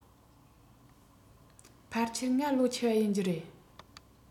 ཕལ ཆེར ང ལོ ཆེ བ ཡིན རྒྱུ རེད